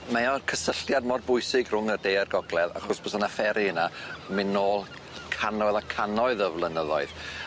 Mae o'r cysylltiad mor bwysig rhwng y De a'r Gogledd achos bysa 'na fferi yna myn' nôl cannoedd a cannoedd o flynyddoedd.